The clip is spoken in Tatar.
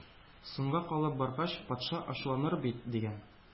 Соңга калып баргач, патша ачуланыр бит! — дигән.